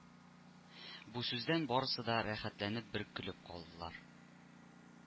Бу сүздән барысы да рәхәтләнеп бер көлеп алдылар